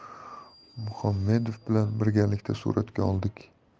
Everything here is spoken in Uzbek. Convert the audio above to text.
muhammedov bilan birgalikda suratga oldik